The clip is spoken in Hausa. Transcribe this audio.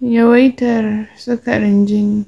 yawaitar sukarin jini?